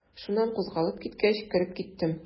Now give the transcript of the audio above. Шуннан кузгалып киткәч, кереп киттем.